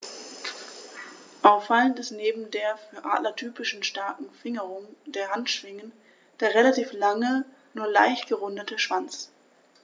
Auffallend ist neben der für Adler typischen starken Fingerung der Handschwingen der relativ lange, nur leicht gerundete Schwanz.